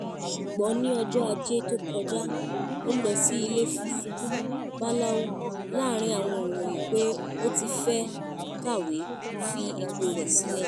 Ṣùgbọ́n ní ọjọ́ ajé tó kọjá ó lọ sí Ilé Funfun Bbáláú, láàrin àwọn ìròyìn pé ó tí fẹ́ kswé fi ipò rẹ̀ sílẹ̀